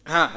haa